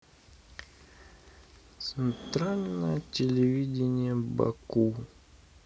центральное телевидение баку